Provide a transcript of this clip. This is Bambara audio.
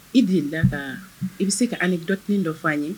I de da kan i bɛ se ka dɔt dɔ' an ye